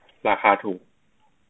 ราคาถูก